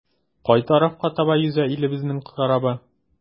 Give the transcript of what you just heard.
Кай тарафка таба йөзә илебезнең корабы?